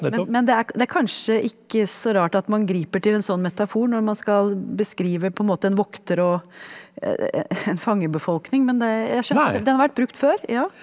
men men det er det er kanskje ikke så rart at man griper til en sånn metafor når man skal beskrive på en måte vokter og en fangebefolkning men jeg den hadde vært brukt før ja.